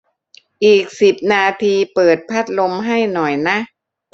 อีกสิบนาทีเปิดพัดลมให้หน่อยนะ